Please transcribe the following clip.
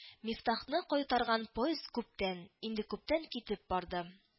Мифтахны кайтарган поезд күптән, инде күптән китеп барды